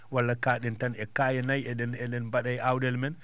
walla kaaɗen tan e kaaye nayi eɗen eɗen mbaɗa e aawɗeele men